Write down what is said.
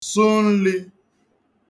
sụ nlī